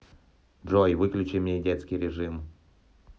джой выключи мне детский режим